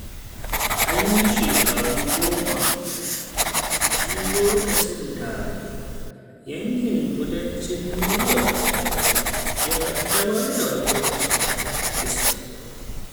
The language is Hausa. An yi shekaru goma tun lokacin da yankin kudancin New York ya kaddamar da hukuncin kisa.